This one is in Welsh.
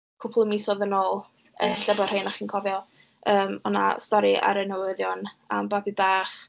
Cwpwl o misoedd yn ôl ella bo' rhei ohonoch chi'n cofio, yym, o' na stori ar y newyddion am babi bach.